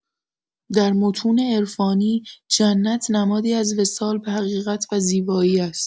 در متون عرفانی، جنت نمادی از وصال به حقیقت و زیبایی است.